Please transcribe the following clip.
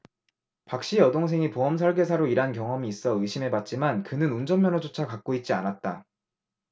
박씨 여동생이 보험설계사로 일한 경험이 있어 의심해 봤지만 그는 운전면허조차 갖고 있지 않았다